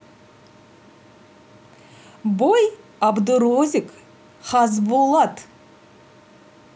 бой абдурозик хасбулат